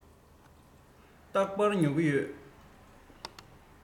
རྟག པར ཉོ གི ཡོད